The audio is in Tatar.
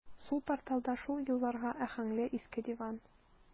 Сул порталда шул елларга аһәңле иске диван.